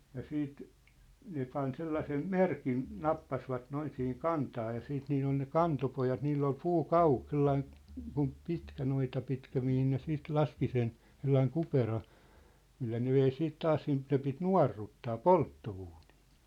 ja sitten ne pani sellaisen merkin nappasivat noin siihen kantaan ja siitä niillä on ne kantopojat niillä oli puukauha sellainen kun pitkä noita pitkä mihin ne sitten laski sen sellainen kupera millä ne vei sitten taas siitä ne piti nuorruttaa polttouuniin